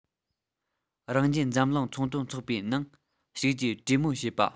རང རྒྱལ འཛམ གླིང ཚོང དོན ཚོགས པའི ནང ཞུགས རྒྱུའི གྲོས མོལ བྱས པ